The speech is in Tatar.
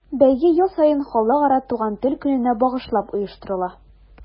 Бәйге ел саен Халыкара туган тел көненә багышлап оештырыла.